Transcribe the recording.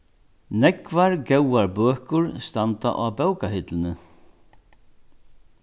nógvar góðar bøkur standa á bókahillini